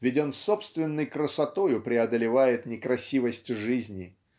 Ведь он собственной красотою преодолевает некрасивость жизни